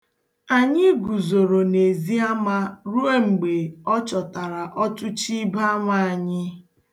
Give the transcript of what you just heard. Anyị guzoro n'eziama ruo mgbe ọ chọtara ọtụchi iboama anyị.